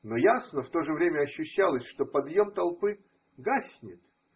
Но ясно в то же время ощущалось, что подъем толпы гаснет.